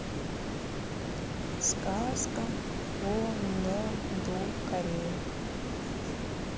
сказка о но ду корея